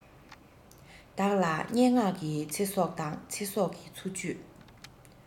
བདག ལ སྙན ངག གི ཚེ སྲོག དང ཚེ སྲོག གི འཚོ བཅུད